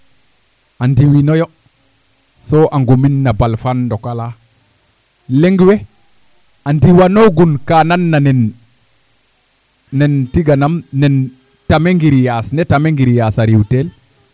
a ndiwinooyo so a nqumin no bal faa ndok ala leŋ we a ndiwanoogun ka nan nena nen tiganam nen tame ngiryaas ne tame ngiryaas a riwtel'